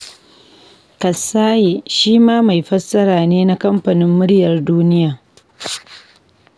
Kassaye shi ma mai fassara ne na Kamfanin Muryar Duniya.